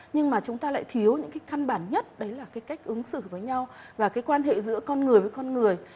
nhưng mà chúng ta lại thiếu những cái căn bản nhất đấy là cái cách ứng xử với nhau và cái quan hệ giữa con người với con người